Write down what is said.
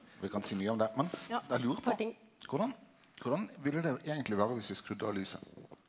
vi kan si mykje om det, men eg lurer på korleis korleis ville det eigentleg vere viss vi skrudde av lyset?